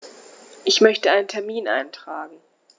Ich möchte einen Termin eintragen.